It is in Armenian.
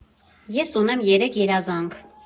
Ես ունեմ երեք երազանք.